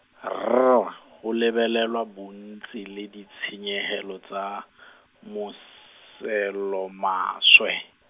R go lebelelwa bontsi le ditshenyegelo tsa , mos- -selomaswe.